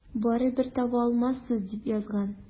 Барыбер таба алмассыз, дип язган.